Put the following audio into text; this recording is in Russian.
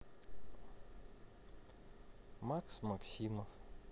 макс максимов